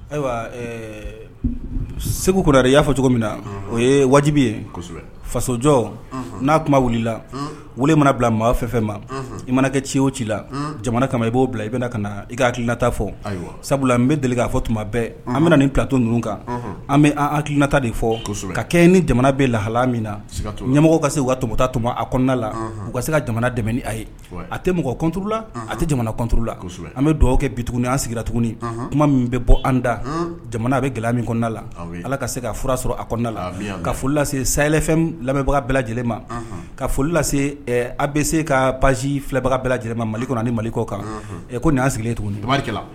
Ayiwa segure i y'a fɔ cogo min na o ye wajibi ye fasojɔ n'a kuma wulila weele mana bila mɔgɔ fɛn fɛn ma i mana kɛ ci o ci la jamana kama i b'o bila i bɛna ka na i ka hakili kilata fɔ sabula n bɛ deli k'a fɔ tuma bɛɛ an bɛ nin kito ninnu kan an bɛ anan kiinata de fɔ ka kɛ ni jamana bɛ lahala min na ɲamɔgɔ ka se ka tota tumamɔ a kɔndala u ka se ka jamana dɛmɛ a ye a tɛ mɔgɔ kɔntuurula a tɛ jamanatuuru la an bɛ dugawu kɛ bi tugun an sigira tuguni tuma min bɛ bɔ an da jamana bɛ gɛlɛya min kɔnda la ala ka se ka fura sɔrɔ a kɔndala ka foli lase saɛlɛfɛn lamɛnbaga bɛɛla lajɛlen ma ka foli lase an bɛ se ka paz filɛbaga bɛɛ lajɛlen ma mali kɔnɔ ni malikɔ kan ɛ ko nin' sigilen tuguni barikari